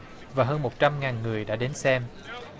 và hơn một trăm ngàn người đã đến xem